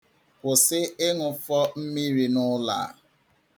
Kwụsi ịnụfọ mmiri n'ụlọ a.